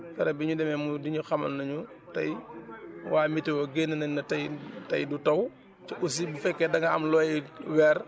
keroog bi ñu demee mu di ñu xamal ne ñu tey waa météo génne nañ ne tey tey du taw te aussi bu fekkee dangaa am looy weer